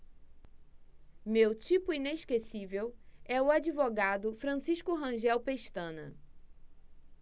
meu tipo inesquecível é o advogado francisco rangel pestana